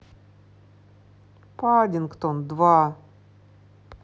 паддингтон два